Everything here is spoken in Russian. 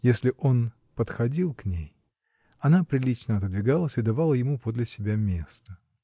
Если он подходил к ней, она прилично отодвигалась и давала ему подле себя место.